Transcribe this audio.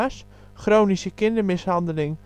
's, chronische kindermishandeling